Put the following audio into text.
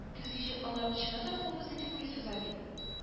Көзге җил аларны чыннан да кубыз итеп куй суза бит